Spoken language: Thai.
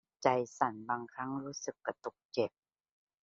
ใจสั่นบางครั้งรู้สึกกระตุกเจ็บ